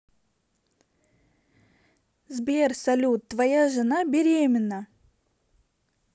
сбер салют твоя жена беременна